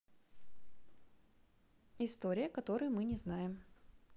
история которую мы не знаем